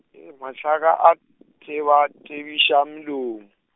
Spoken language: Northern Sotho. mothaka a, thebathebiša melomo.